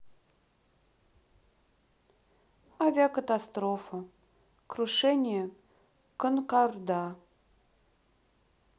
авиакатастрофа крушение конкорда